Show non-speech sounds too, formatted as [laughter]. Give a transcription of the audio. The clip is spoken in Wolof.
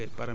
[hesitation] [hesitation]